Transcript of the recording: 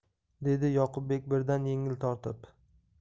dedi yoqubbek birdan yengil tortib